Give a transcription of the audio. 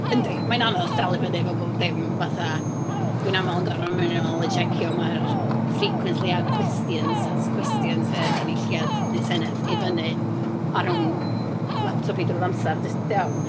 Yndi. Mae'n anodd dal i fyny efo pob dim. Fatha, dwi'n aml yn gorfod mynd yn ôl i tsecio. Mae'r frequently asked questions... has questions y Cynulliad neu Senedd i fyny ar yn laptop i drwy'r amser, jyst iawn.